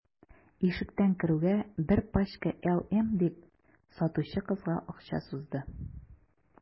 Ишектән керүгә: – Бер пачка «LM»,– дип, сатучы кызга акча сузды.